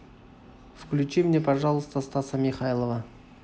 включи мне пожалуйста стаса михайлова